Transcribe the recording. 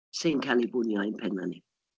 sy'n cael ei bwnio i'n pennau ni.